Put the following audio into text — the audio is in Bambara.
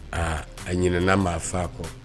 Aa a ɲ maa faa a kɔ